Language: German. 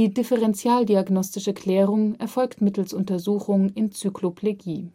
differentialdiagnostische Klärung erfolgt mittels Untersuchung in Zykloplegie